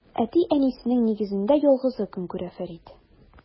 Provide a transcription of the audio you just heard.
Әти-әнисенең нигезендә ялгызы көн күрә Фәрид.